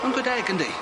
Ma'n good egg yndi?